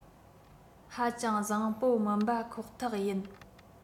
ཧ ཅང བཟང བོ མིན པ ཁོ ཐག ཡིན